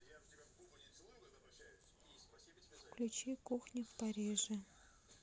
включи кухня в париже